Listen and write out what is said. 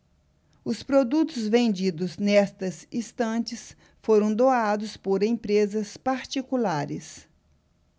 os produtos vendidos nestas estantes foram doados por empresas particulares